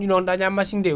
non daña machine nde